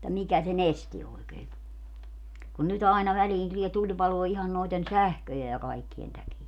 että mikä sen esti oikein kun kun nyt aina väliin tulee tulipaloa ihan noiden sähköjen ja kaikkien takia